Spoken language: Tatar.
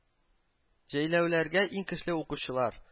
Җәйләүләргә иң көчле укучылар